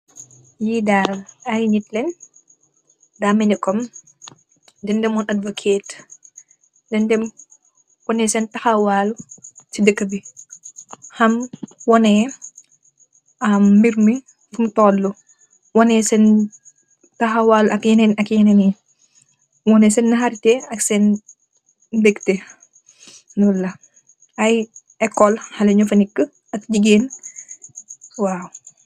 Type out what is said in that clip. Lii daal ay nit lañ, daa melni, dañ demoon advocëëti. Dañ demoon wane seen taxawaalu si dëkë bi, wane seen, taxawaalu, ak yenen, ak yenen.